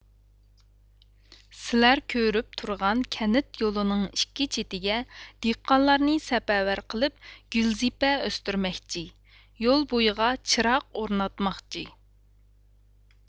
سىلەر كۆرۈپ تۇرغان كەنت يولىنىڭ ئىككى چېتىگە دېھقانلارنى سەپەرۋەر قىلىپ گۈلزىپە ئۆستۈرمەكچى يول بويىغا چىراغ ئورناتماقچى